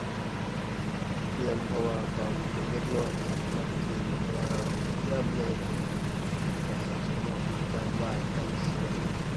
เปลี่ยนเพราะว่าตอนเป็นเด็กน้อยอาจมักเกม แต่ว่ายามใหญ่ขึ้นก็อาจจะมักการวาด การเขียน